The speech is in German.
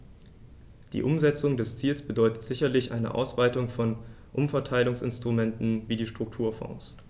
Die Umsetzung dieses Ziels bedeutet sicherlich eine Ausweitung von Umverteilungsinstrumenten wie die Strukturfonds.